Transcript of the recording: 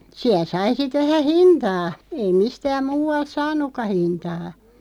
siellä sai sitten vähän hintaa ei mistään muualta saanutkaan hintaa